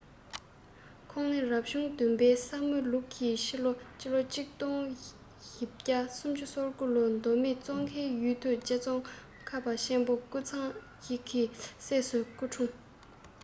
ཁོང ནི རབ བྱུང བདུན པའི ས མོ ལུག ཕྱི ལོ ༡༤༣༩ ལོར མདོ སྨད ཙོང ཁའི ཡུལ དུ རྗེ ཙོང ཁ པ ཆེན པོའི སྐུ ཚ ཞིག གི སྲས སུ སྐུ འཁྲུངས